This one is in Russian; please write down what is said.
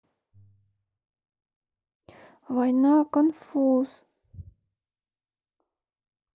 война конфуз